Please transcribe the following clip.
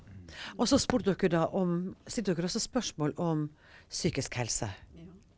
også spurte dere da om stilte dere også spørsmål om psykisk helse.